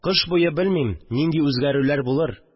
Кыш буе, белмим, нинди үзгәрүләр булыр